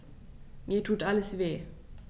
Mir tut alles weh.